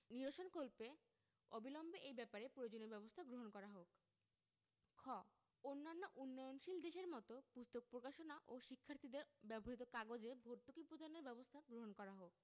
নিরসনকল্পে অবিলম্বে এই ব্যাপারে প্রয়োজনীয় ব্যাবস্থা গ্রহণ করা হোক খ অন্যান্য উন্নয়নশীল দেশের মত পুস্তক প্রকাশনা ও শিক্ষার্থীদের ব্যবহৃত কাগজে ভর্তুকি প্রদানের ব্যবস্থা গ্রহণ করা হোক